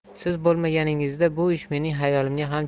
siz bo'lmaganingizda bu ish mening xayolimga ham